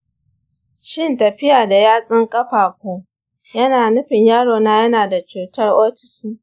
shin tafiya da yatsun ƙafafu yana nufin yarona yana da cutar autism